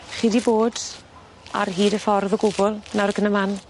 Chi 'di bod ar hyd y ffordd o gwbwl nawr ac yn y man?